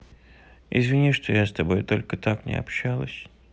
извини что я с тобой только так не общалась